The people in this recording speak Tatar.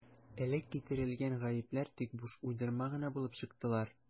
Элек китерелгән «гаепләр» тик буш уйдырма гына булып чыктылар.